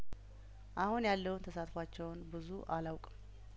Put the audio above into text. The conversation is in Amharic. አሁን ያለውን ተሳትፎአቸውን ብዙ አላውቅም